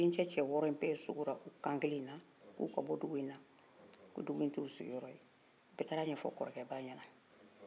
dencɛ cɛ wɔɔrɔ in bɛɛ sikor'o kan kelen in na ko dugu nin t'o siginyɔrɔ ye k'u ka bɔ dugu nin na u taara ɲɛfɔ kɔrɔkɛ ba ɲɛnan